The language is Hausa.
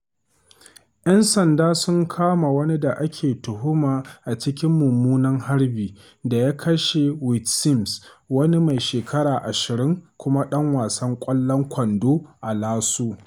‘Yan sanda sun kama wani da ake tuhuma a cikin mummunan harbi da ya kashe Wayde Sims, wani mai shekaru 20 kuma ɗan wasan ƙwallon kwando a LSU.